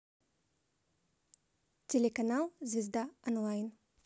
телеканал звезда онлайн